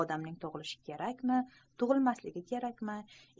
odamning tug'ilishi kerakmi tug'ilmasligi kerakmi